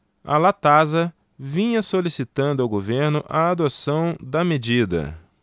a latasa vinha solicitando ao governo a adoção da medida